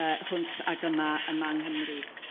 yrr hwnt ag yma yma yng Nghymru.